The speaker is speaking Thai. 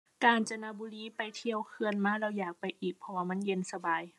กาญจนบุรี ไปเที่ยวเขื่อนมาแล้วอยากไปอีก เพราะว่ามันเย็นสบาย